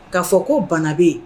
Ka'a fɔ ko banabe